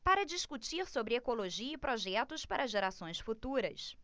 para discutir sobre ecologia e projetos para gerações futuras